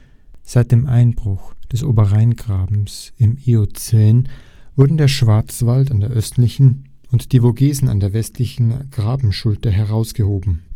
Seit dem Einbruch des Oberrheingrabens im Eozän wurden der Schwarzwald an der östlichen und die Vogesen an der westlichen Grabenschulter herausgehoben